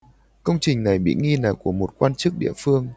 công trình này bị nghi là của một quan chức địa phương